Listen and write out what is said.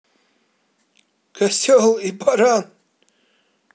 козел и баран